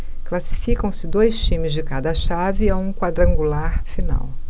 classificam-se dois times de cada chave a um quadrangular final